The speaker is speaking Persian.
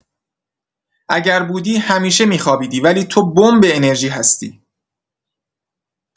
اگر بودی، همیشه می‌خوابیدی، ولی تو بمب انرژی هستی.